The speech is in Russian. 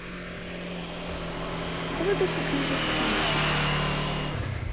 кто первый вытащит меч из камня